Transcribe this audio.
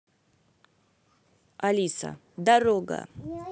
алиса дорога